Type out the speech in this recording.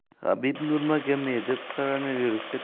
habib nurmagomedov koronavirusga